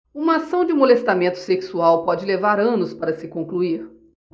uma ação de molestamento sexual pode levar anos para se concluir